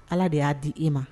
Ala de y'a di i ma